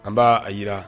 An b'a a jira